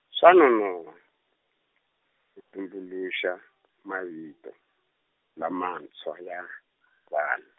swa nonohwa, ku tumbuluxa, mavito, lamantshwa ya, vanhu.